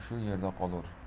shu yerda qolur